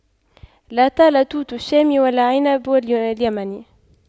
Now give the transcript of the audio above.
لا طال توت الشام ولا عنب اليمن